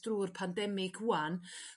drwy'r pandemig 'wan